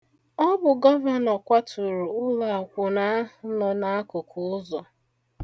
Ọ bụ gọvanọ kwatụrụ ụlọakwụna ahụ nọ n'akụkụ uzọ.